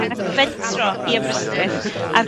a fen- fentro i Aberystwyth ...